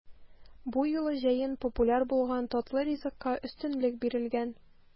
Бу юлы җәен популяр булган татлы ризыкка өстенлек бирелгән.